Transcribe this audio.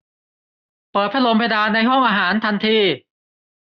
เปิดพัดลมเพดานในห้องอาหารทันที